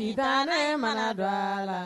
Sitaanɛ mana don a la